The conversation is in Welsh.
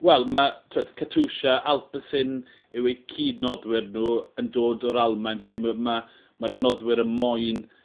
Wel 'ma t'wod Katusha Alpecin yw eu cyd-noddwyr n'w yn dod o'r Almaen felly mw- ma ma'r noddwyr y moyn